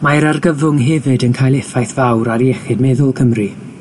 Mae'r argyfwng hefyd yn cael effaith fawr ar iechyd meddwl Cymru.